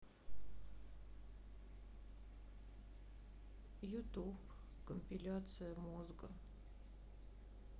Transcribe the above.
ютуб компиляция мозга